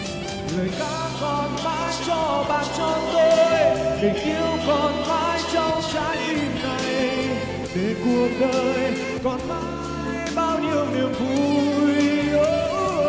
lời ca còn mãi cho bạn cho tôi tình yêu còn mãi trong trái tim này để cuộc đời còn mãi bao nhiêu niềm vui